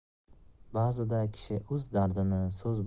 ba'zida kishi o'z dardini so'z